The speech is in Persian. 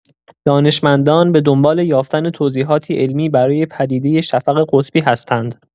دانشمندان به دنبال یافتن توضیحاتی علمی برای پدیده شفق قطبی هستند.